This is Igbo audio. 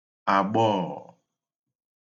àgbọò